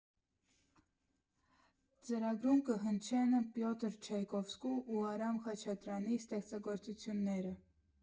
Ծրագրում կհնչեն Պյոտր Չայկովսկու և Արամ Խաչատրյանի ստեղծագործությունները։